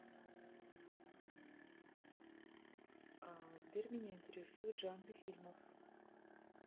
сбер меня интересуют жанры фильмов